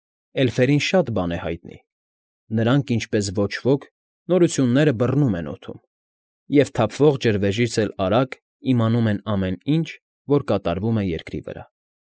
Էլֆերին շատ բան է հայտնի, նրանք, ինչպես ոչ ոք, նորությունները բռնում են օդում և թափվող ջրվեժից էլ արագ իմանում են ամեն ինչ, որ կատարվում է երկրի վրա։